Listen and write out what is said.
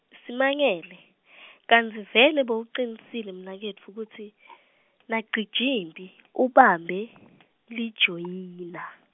simangele , Kantsi vele bowucinisile mnaketfu kutsi naCijimphi ubambe lijoyina?